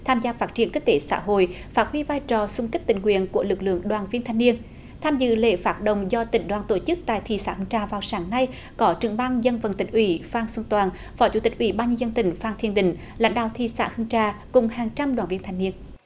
tham gia phát triển kinh tế xã hội phát huy vai trò xung kích tình nguyện của lực lượng đoàn viên thanh niên tham dự lễ phát động do tỉnh đoàn tổ chức tại thị xã hương trà vào sáng nay có trưởng ban dân vận tỉnh ủy phan xuân toàn phó chủ tịch ủy ban nhân dân tỉnh phan thiên định lãnh đạo thị xã hương trà cùng hàng trăm đoàn viên thanh niên